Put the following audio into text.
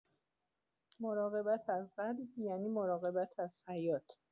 مراقبت از قلب یعنی مراقبت از حیات؛